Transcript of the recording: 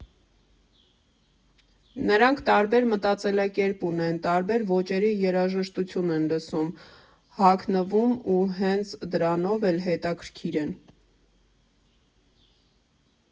Նրանք տարբեր մտածելակերպ ունեն, տարբեր ոճերի երաժշտություն են լսում, հագնվում ու հենց դրանով էլ հետաքրքիր են։